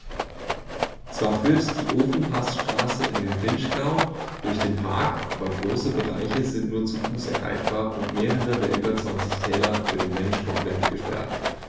Zwar führt die Ofenpassstraße in den Vinschgau durch den Park, aber große Bereiche sind nur zu Fuß erreichbar und mehrere der über 20 Täler für den Menschen komplett gesperrt.